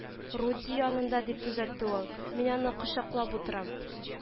— руди янында, — дип төзәтте ул. — мин аны кочаклап утырам